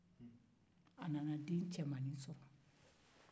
a nana den cɛmannin sɔrɔ